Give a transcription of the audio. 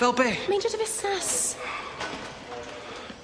Fel be'? Meindia dy fusnes.